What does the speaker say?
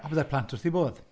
Bydde'r plant wrth eu bodd.